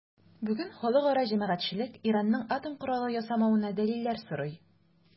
Бүген халыкара җәмәгатьчелек Иранның атом коралы ясамавына дәлилләр сорый.